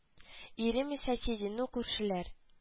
Ирем и соседи ну күршеляр